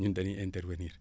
ñun dañuy intervenir